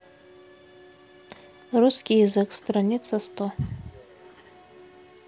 русский язык страница сто